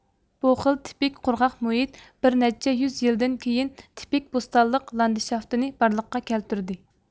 بۇ خىل تىپىك قۇرغاق مۇھىت بىر نەچچە يۈز يىلدىن كىيىن تىپىك بوستانلىق لاندىشافتىنى بارلىققا كەلتۈردى